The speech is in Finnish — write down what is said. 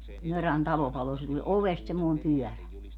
Mörän talo paloi se tuli ovesta semmoinen pyörä